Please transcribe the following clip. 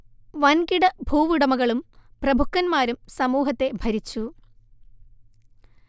വൻകിട ഭൂവുടമകളും പ്രഭുക്കന്മാരും സമൂഹത്തെ ഭരിച്ചു